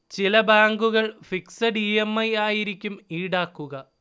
ചില ബാങ്കുകൾ fixed EMI ആയിരിക്കും ഈടാക്കുക